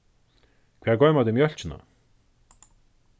hvar goyma tit mjólkina